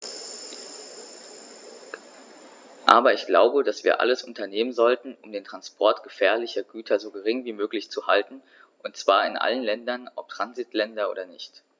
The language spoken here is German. Aber ich glaube, dass wir alles unternehmen sollten, um den Transport gefährlicher Güter so gering wie möglich zu halten, und zwar in allen Ländern, ob Transitländer oder nicht.